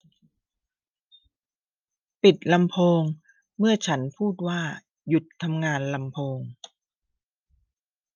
ปิดลำโพงเมื่อฉันพูดว่าหยุดทำงานลำโพง